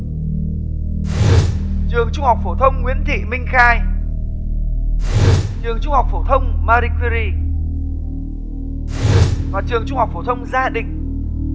trường trung học phổ thông nguyễn thị minh khai trường trung học phổ thông ma ri quy ri và trường trung học phổ thông gia định